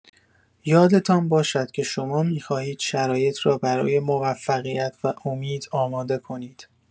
یادتان باشد که شما می‌خواهید شرایط را برای موفقیت و امید آماده کنید.